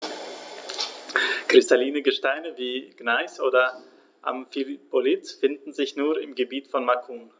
Kristalline Gesteine wie Gneis oder Amphibolit finden sich nur im Gebiet von Macun.